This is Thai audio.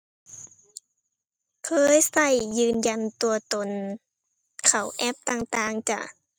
เคยใช้ยืนยันตัวต้นเข้าแอปต่างต่างจ้า